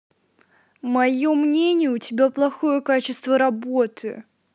мое мнение у тебя плохое качество работы